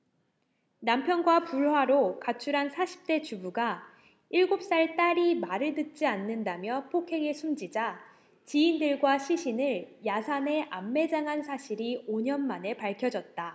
남편과 불화로 가출한 사십 대 주부가 일곱 살 딸이 말을 듣지 않는다며 폭행해 숨지자 지인들과 시신을 야산에 암매장한 사실이 오 년만에 밝혀졌다